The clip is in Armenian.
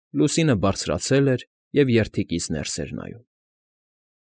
Լուսինը բարձրացել էր և երդիկից ներս էր նայում։